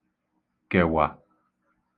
kèwà